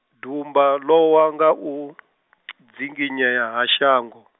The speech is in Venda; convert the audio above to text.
dumba lowa nga u, dzinginyea ha shango.